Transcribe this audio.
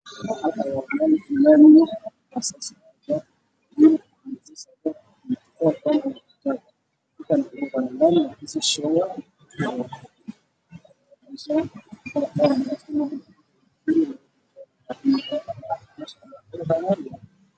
Halkaan waxaa ka muuqdo labo xabo oo cagaf-cagaf ah midibkoodana waa cagaar